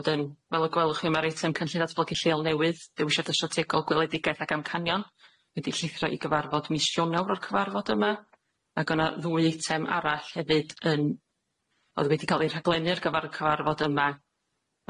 wedyn fel y gwelwch chi ma'r eitem cynllun datblygu lleol newydd dewisad y strategol gweledigaeth ag amcanion wedi'i llithro i gyfarfod mis Ionawr o'r cyfarfod yma ag o'na ddwy eitem arall hefyd yn odd wedi ca'l i rhaglennu'r gyfar- cyfarfod yma,